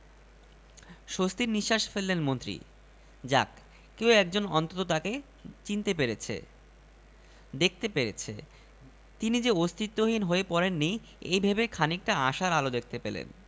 মন্ত্রী মহোদয় বাড়ির প্রতিটি সদস্যের সামনে দিয়ে হাঁটছেন চলছেন ডাকছেন কথা বলছেন অথচ কেউ তাঁকে দেখতে পাচ্ছে না